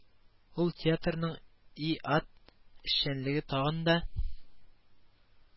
Ул театрның и ат эшчәнлеген тагын да